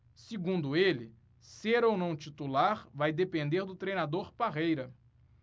segundo ele ser ou não titular vai depender do treinador parreira